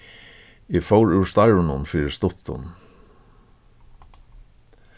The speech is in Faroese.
eg fór úr starvinum fyri stuttum